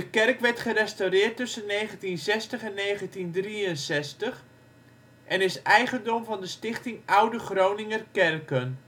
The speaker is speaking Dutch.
kerk werd gerestaureerd tussen 1960 en 1963 en is eigendom van de Stichting Oude Groninger Kerken